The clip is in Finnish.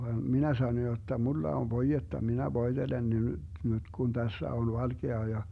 vaan minä sanoin jotta minulla on voidetta minä voitelen ne nyt nyt kun tässä on valkea ja